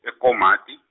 e- Komati.